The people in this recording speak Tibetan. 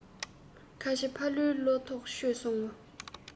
ཁ ཆེ ཕ ལུའི བློ ཐག ཆོད སོང ངོ